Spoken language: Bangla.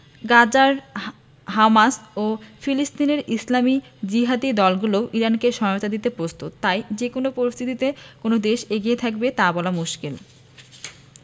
গাজার হামাস ও ফিলিস্তিনের ইসলামি জিহাদি দলগুলোও ইরানকে সহায়তা দিতে প্রস্তুত তাই যেকোনো পরিস্থিতিতে কোন দেশ এগিয়ে থাকবে তা বলা মুশকিল